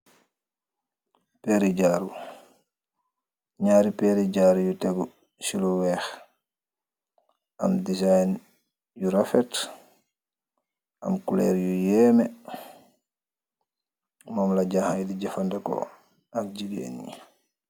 Peeri jaaru, ñaari peeri jaar yu tegu si lu weex. Am desaayin yu rafet, am kulor yu yéeme. Mom la jaañxa yi di jëfandeko ak jigeen yi.